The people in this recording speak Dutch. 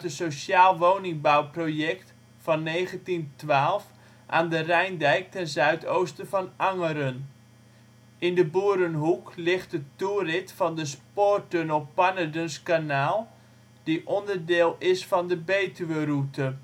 sociaal woningbouwproject van 1912, aan de Rijndijk ten zuidoosten van Angeren. In de Boerenhoek ligt de toerit van de Spoortunnel Pannerdensch Kanaal, die onderdeel is van de Betuweroute